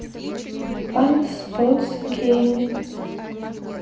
ван спотс гейминг